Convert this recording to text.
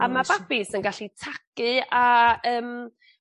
A ma'r babis yn gallu tagu a yym